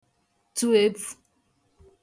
tu evu